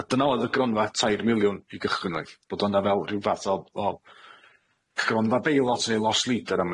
A dyna oedd y gronfa tair miliwn i gychwyn efo i, bod yna fel rhyw fath o o gronfa beilot neu lost leader am wn i.